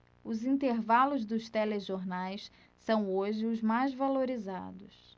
os intervalos dos telejornais são hoje os mais valorizados